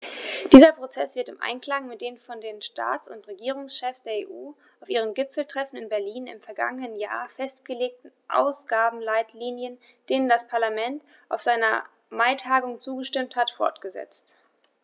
Dieser Prozess wird im Einklang mit den von den Staats- und Regierungschefs der EU auf ihrem Gipfeltreffen in Berlin im vergangenen Jahr festgelegten Ausgabenleitlinien, denen das Parlament auf seiner Maitagung zugestimmt hat, fortgesetzt.